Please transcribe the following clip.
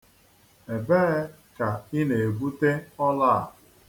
Ebee ka ị na-egwute ọla a?